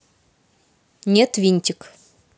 нет винтик